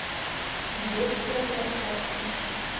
детскую площадку